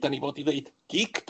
'dan ni fod i ddweud gig?